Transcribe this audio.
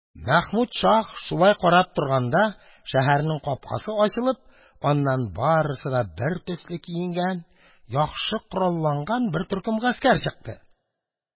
Мәхмүд шаһ шулай карап торганда, шәһәрнең капкасы ачылып, аннан барысы да бертөсле киенгән, яхшы коралланган бер төркем гаскәр чыкты.